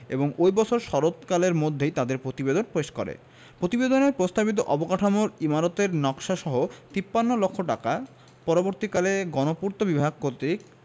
এবং ওই বছর শরৎকালের মধ্যেই তাদের প্রতিবেদন পেশ করে প্রতিবেদনে প্রস্তাবিত অবকাঠামোর ইমারতের নকশাসহ ৫৩ লাখ টাকা পরবর্তীকালে গণপূর্ত বিভাগ কর্তৃক